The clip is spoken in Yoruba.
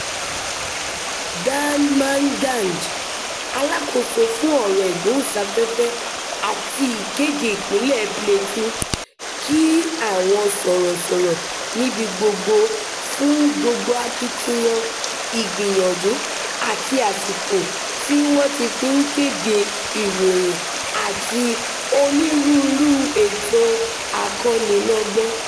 Dan Manjang, alákòóso fún oọ̀rọ̀ ìgbóhùnsáfẹ́fẹ́ àti ìkéde ti Ìpínlẹ̀ Plateau, kí àwọn sọ̀rọ̀sọ̀rọ̀ níbi gbogbo fún "gbogbo akitiyan, ìgbìyànjú àti àsìkò" tí wọ́n fi ń kéde ìròyìn àti onírúurú ètò akọ́nilọ́gbọ́n: